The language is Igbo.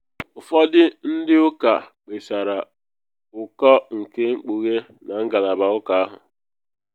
Ụfọdụ ndị ụka kpesara ụkọ nke mkpughe na ngalaba ụka ahụ.